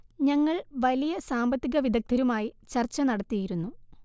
ഞങ്ങൾ വലിയ സാമ്പത്തിക വിദ്ഗധരുമായി ചർച്ച നടത്തിയിരുന്നു